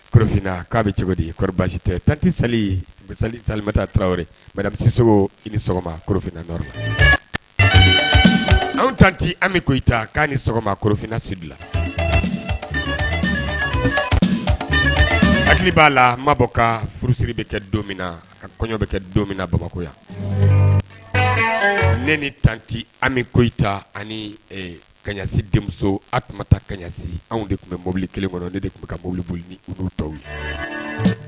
Finna k'a bɛ cogo di tɛ tanti sali sa sali taa tarawele se i ni sɔgɔmafinna anw tan tɛ an ko' ni sɔgɔmafinnasi b'a la maabɔ ka furusiri bɛ kɛ don min na ka kɔɲɔ bɛ kɛ don mina bamakɔko yan ne ni tanti an kota ani kasi denmuso an taa kasi anw de tun bɛ mobili kelen kɔnɔ ne de tun bɛ ka mobili boli olu tɔw ye